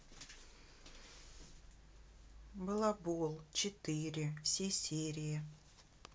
балабол четыре все серии